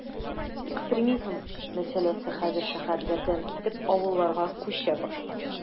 Экстремизм мәсьәләсе хәзер шәһәрләрдән китеп, авылларга “күчә” башлады.